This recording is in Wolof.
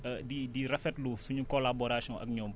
di di rafetlu suñu collaboration ak ñoom